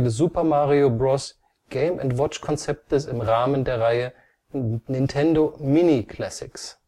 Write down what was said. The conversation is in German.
Super-Mario-Bros.-Game -&- Watch-Konzeptes im Rahmen der Reihe „ Nintendo Mini Classics